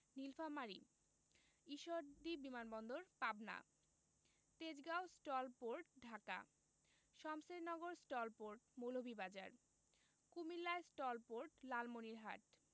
নিলফামারী ঈশ্বরদী বিমান বন্দর Pabna Tejgaon STOL port Dhaka Shamshernagar STOL port Moulvibazar Comilla STOL port Lalmonirhat